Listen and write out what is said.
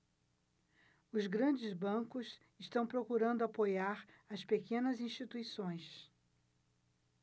os grandes bancos estão procurando apoiar as pequenas instituições